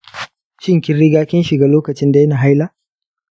shin kin riga kin shiga lokacin daina haila?